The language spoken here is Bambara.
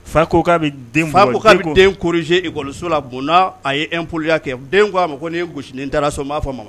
Fa ko ae ikɔso la bon a yepoli kɛ den'a ma ko gosi taara m'a fɔ a ma